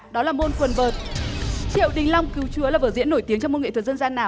đó là môn quần vợt triệu đình long cứu chúa là vở diễn nổi tiếng trong môn nghệ thuật dân gian nào